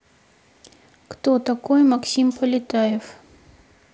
кто такой максим полетаев